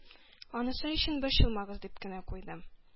Анысы өчен борчылмагыз, — дип кенә куйдым.